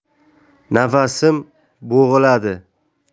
nafasim bo'g'iladi